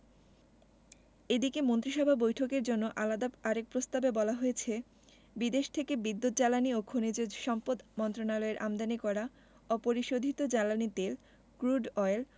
এদিকে মন্ত্রিসভা বৈঠকের জন্য আলাদা আরেক প্রস্তাবে বলা হয়েছে বিদেশ থেকে বিদ্যুৎ জ্বালানি ও খনিজ সম্পদ মন্ত্রণালয়ের আমদানি করা অপরিশোধিত জ্বালানি তেল ক্রুড অয়েল